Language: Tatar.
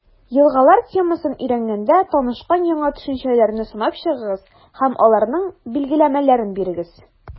«елгалар» темасын өйрәнгәндә танышкан яңа төшенчәләрне санап чыгыгыз һәм аларның билгеләмәләрен бирегез.